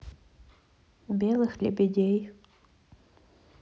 белых лебедей